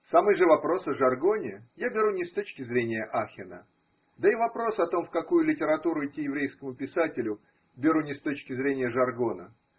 Самый же вопрос о жаргоне я беру не с точки зрения Ахена, да и вопрос о том, в какую литературу идти еврейскому писателю, беру не с точки зрения жаргона.